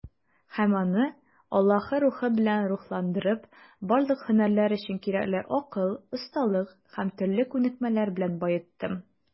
Һәм аны, Аллаһы Рухы белән рухландырып, барлык һөнәрләр өчен кирәкле акыл, осталык һәм төрле күнекмәләр белән баеттым.